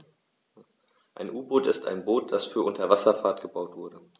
Ein U-Boot ist ein Boot, das für die Unterwasserfahrt gebaut wurde.